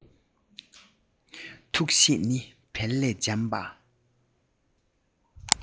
ཐུགས གཤིས ནི བལ ལས འཇམ པ